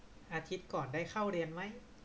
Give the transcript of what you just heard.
อาทิตย์ก่อนได้เข้าเรียนมั้ย